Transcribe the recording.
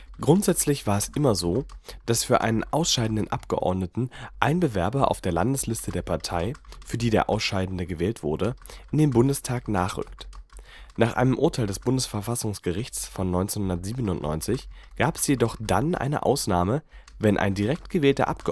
Grundsätzlich war es immer so, dass für einen ausscheidenden Abgeordneten ein Bewerber auf der Landesliste der Partei, für die der Ausscheidende gewählt wurde, in den Bundestag nachrückt. Nach einem Urteil des Bundesverfassungsgerichts von 1997 gab es jedoch dann eine Ausnahme, wenn ein direkt gewählter Abgeordneter